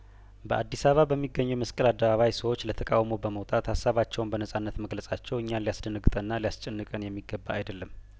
በአዲስ አባ በሚገኘው የመስቀል አደባባይ ሰዎች ለተቃውሞ በመውጣት ሀሳባቸውን በነጻነት መግለጻቸው እኛን ሊያስደነግጠንና ሊያስጨንቀን የሚገባ አይደለም